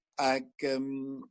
ag yym